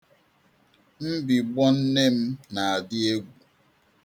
Mbịgbọ nne m na-adị egwu.